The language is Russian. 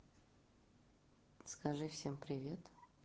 скажи всем привет